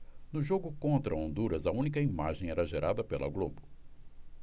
no jogo contra honduras a única imagem era gerada pela globo